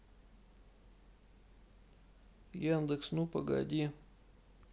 яндекс ну погоди